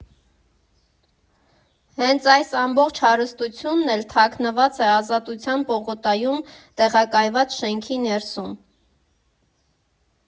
Հենց այս ամբողջ հարստությունն էլ թաքնված է Ազատության պողոտայում տեղակայված շենքի ներսում։